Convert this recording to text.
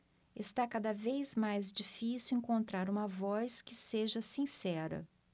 está cada vez mais difícil encontrar uma voz que seja sincera